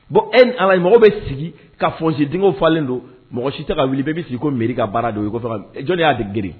Bon e ni Ala mɔgɔw bɛ sigi ka fossé dingɛw falen don mɔgɔ si tɛ ka wuli bɛɛ bɛ sigi ko mairie ka baara don jɔn y'a geren